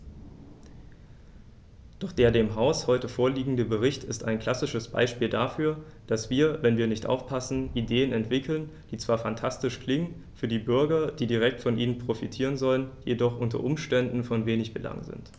Doch der dem Haus heute vorliegende Bericht ist ein klassisches Beispiel dafür, dass wir, wenn wir nicht aufpassen, Ideen entwickeln, die zwar phantastisch klingen, für die Bürger, die direkt von ihnen profitieren sollen, jedoch u. U. von wenig Belang sind.